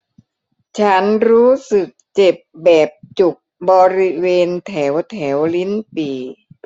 ฉันรู้สึกเจ็บแบบจุกบริเวณแถวแถวลิ้นปี่